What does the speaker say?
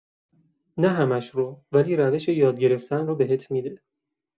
نه همه‌ش رو، ولی روش یاد گرفتن رو بهت می‌ده.